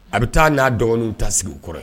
A bɛ taa n'a dɔgɔninw ta sigi kɔrɔ